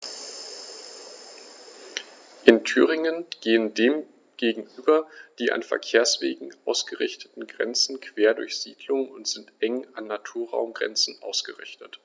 In Thüringen gehen dem gegenüber die an Verkehrswegen ausgerichteten Grenzen quer durch Siedlungen und sind eng an Naturraumgrenzen ausgerichtet.